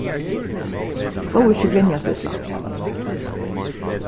góða ikki grenja so illa